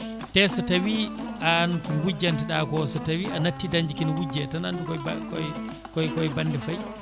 te so tawi an ko gujjanteɗako so tawi a natti dañde kene wujje tan andu koye koye koye koye bande faayi